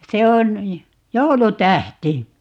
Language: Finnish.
se on joulutähti